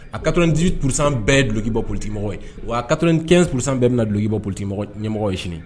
A 98% bɛɛ ye duloki bɔ politique mɔgɔ ye wa a 95% bɛɛ bɛ na duloki bɔ politique mɔgɔ y ɲɛmɔgɔ ye sini